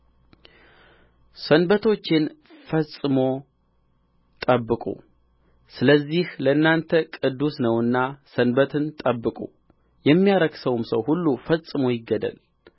ሰንበቶቼን ፈጽሞ ጠብቁ ስለዚህ ለእናንተ ቅዱስ ነውና ሰንበትን ጠብቁ የሚያረክሰውም ሰው ሁሉ ፈጽሞ ይገደል